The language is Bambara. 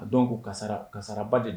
A dɔn ko karisa kasaba de don